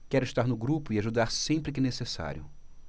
quero estar no grupo e ajudar sempre que necessário